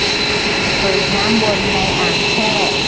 เปิดน้ำวนในอ่างแช่